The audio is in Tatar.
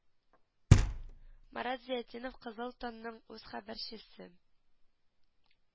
Марат зыятдинов кызыл таң ның үз хәбәрчесе